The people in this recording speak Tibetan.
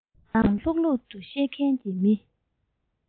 རང གཏམ ལྷུག ལྷུག བཤད མཁན གྱི མི